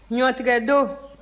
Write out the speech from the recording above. ɲɔtigɛdon